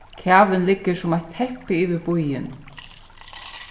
kavin liggur sum eitt teppi yvir býin